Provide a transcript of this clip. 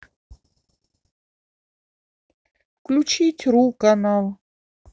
включить ру канал